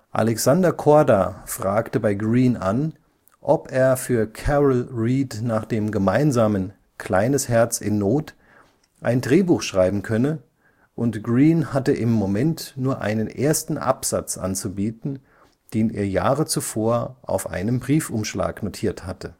Alexander Korda fragte bei Greene an, ob er für Carol Reed nach dem gemeinsamen Kleines Herz in Not ein Drehbuch schreiben könne, und Greene hatte im Moment nur einen ersten Absatz anzubieten, den er Jahre zuvor auf einem Briefumschlag notiert hatte